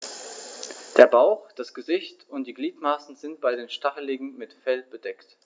Der Bauch, das Gesicht und die Gliedmaßen sind bei den Stacheligeln mit Fell bedeckt.